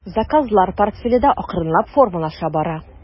Заказлар портфеле дә акрынлап формалаша бара.